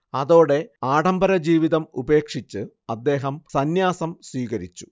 അതോടെ ആഢംബരജീവിതം ഉപേക്ഷിച്ച് അദ്ദേഹം സന്യാസം സ്വീകരിച്ചു